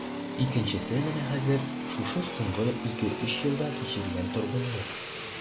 Икенчесе менә хәзер, шушы соңгы ике-өч елда кичергән торгынлык...